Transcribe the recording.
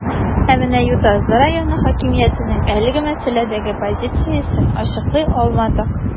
Ә менә Ютазы районы хакимиятенең әлеге мәсьәләдәге позициясен ачыклый алмадык.